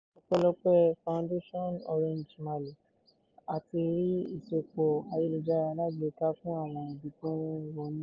Ọpẹ́lọpẹ́ Fondation Orange Mali, a ti rí ìsopọ̀ Ayélujára alágbèéká fún àwọn ibi tí wọ́n wọnú.